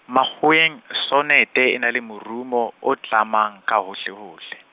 makgoweng, sonete e na le morumo, o tlamang, ka hohlehohle.